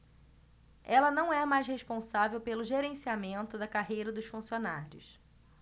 ela não é mais responsável pelo gerenciamento da carreira dos funcionários